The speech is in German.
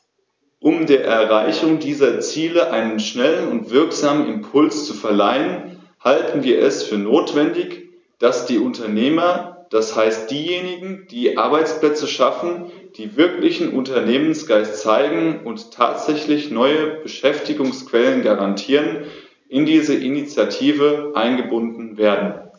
Um der Erreichung dieser Ziele einen schnellen und wirksamen Impuls zu verleihen, halten wir es für notwendig, dass die Unternehmer, das heißt diejenigen, die Arbeitsplätze schaffen, die wirklichen Unternehmergeist zeigen und tatsächlich neue Beschäftigungsquellen garantieren, in diese Initiative eingebunden werden.